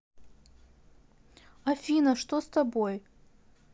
афина что с тобой